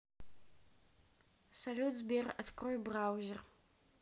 салют сбер открой браузер